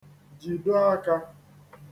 jido aka